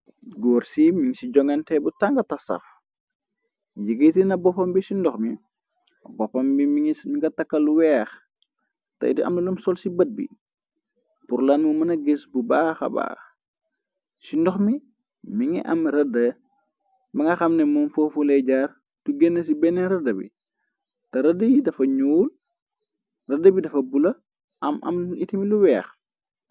Góor si mingi ci joŋgente bu tanga taxsaf jegitina boppam bi ci ndox mi boppam bi mingi nga takka lu weex te it amnalum sol ci bët bi purlaan mu mëna gës bu baa xabaax ci ndox mi mi ngi am rëdda mi nga xamne moom foofulee jaar tugen ci benneen rëdda bi te rëdda yi dafa ñuul rëdda bi dafa bula am am itimi lu weex.